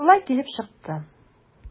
Шулай килеп чыкты.